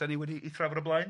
'Dan ni wedi 'i thrafod o blaen.